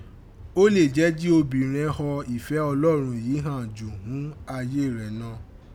Ó lè jẹ́ jí obìnṛẹn họ ìfẹ́ Ọlọ́run yìí han jù ghún ayé rẹ̀ nọ̀.